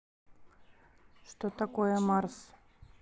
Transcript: что такое марс